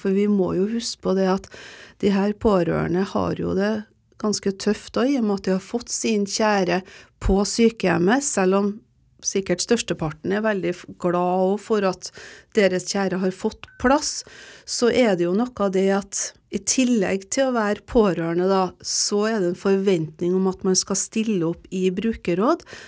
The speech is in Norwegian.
for vi må jo huske på det at de her pårørende har jo det ganske tøft òg i og med at de har fått sin kjære på sykehjemmet, selv om sikkert størsteparten er veldig glad òg for at deres kjære har fått plass så er det jo noe i det at i tillegg til å være pårørende da så er det en forventning om at man skal stille opp i brukerråd.